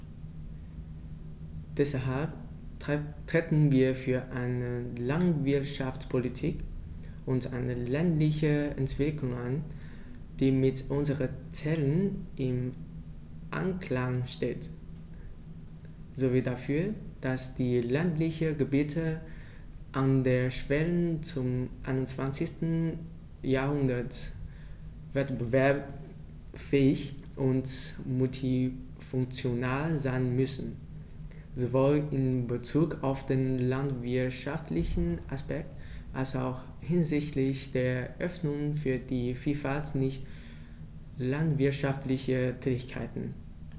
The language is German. Deshalb treten wir für eine Landwirtschaftspolitik und eine ländliche Entwicklung ein, die mit unseren Zielen im Einklang steht, sowie dafür, dass die ländlichen Gebiete an der Schwelle zum 21. Jahrhundert wettbewerbsfähig und multifunktional sein müssen, sowohl in Bezug auf den landwirtschaftlichen Aspekt als auch hinsichtlich der Öffnung für die Vielfalt nicht landwirtschaftlicher Tätigkeiten.